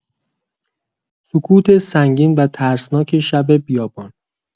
سکوت سنگین و ترسناک شب بیابان